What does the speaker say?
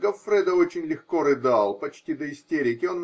Гоффредо очень легко рыдал, почти до истерики